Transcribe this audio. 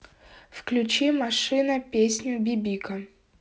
включи машина песню бибика